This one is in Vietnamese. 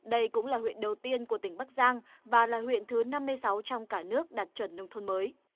đây cũng là huyện đầu tiên của tỉnh bắc giang và là huyện thứ năm mươi sáu trong cả nước đạt chuẩn nông thôn mới